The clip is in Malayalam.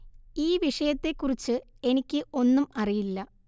ഈ വിഷയത്തെക്കുറിച്ച് എനിക്ക് ഒന്നും അറിയില്ല